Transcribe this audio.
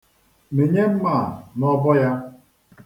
Mịnye mma a n'ọbọ ya.